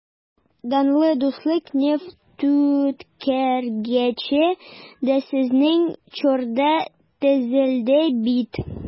Данлы «Дуслык» нефтьүткәргече дә сезнең чорда төзелде бит...